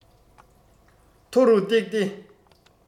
མཐོ རུ བཏེགས ཏེ